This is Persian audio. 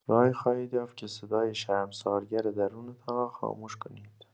راهی خواهید یافت که صدای شرمسارگر درونتان را خاموش کنید.